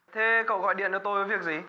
thế cậu gọi điện cho tôi có việc gì